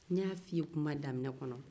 n'ye a fɔ i ye kuma daminɛ kɔnɔ